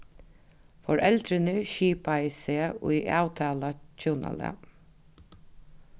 foreldrini skipaði seg í avtalað hjúnalag